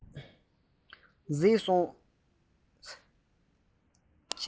བཟས སོང